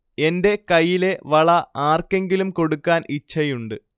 എന്റെ കൈയിലെ വള ആർക്കെങ്കിലും കൊടുക്കാൻ ഇച്ഛയുണ്ട്